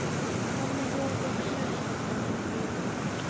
там на елках шишки там медведи